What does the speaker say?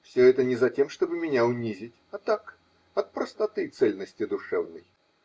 все это не затем, чтобы меня унизить, а так, от простоты и цельности душевной.